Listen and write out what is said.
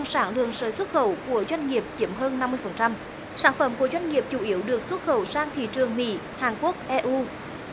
sản lượng sợi xuất khẩu của doanh nghiệp chiếm hơn năm mươi phần trăm sản phẩm của doanh nghiệp chủ yếu được xuất khẩu sang thị trường mỹ hàn quốc e u và